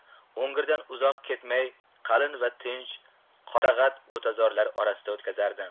o'ngirdan uzoq ketmay qalin va tinch qorag'at butazorlar orasida o'tkazardi